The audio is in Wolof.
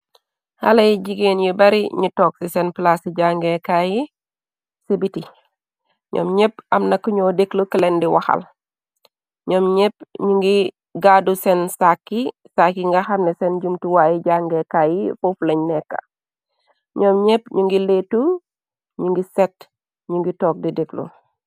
Xalay jigeen yu bari, ñu tokg ci seen plaase ci jangeekaayyi ci biti, ñoom ñépp am na ku ñoo déklu kelen di waxal, ñoom ñépp ñu ngi gaddu seen sàkki, sàak yi nga xarne seen jumtuwaayu jàngee kaay yi foof lañ nekka. ñoom ñépp ñu ngi leetu ñu ngi set ñu ngi tog di déklu.